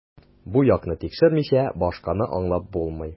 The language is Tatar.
Бу якны тикшермичә, башканы аңлап булмый.